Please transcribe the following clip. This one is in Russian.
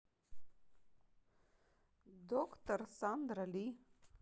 доктор сандра ли